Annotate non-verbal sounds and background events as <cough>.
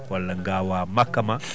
walla ngaawaa makka ma <noise>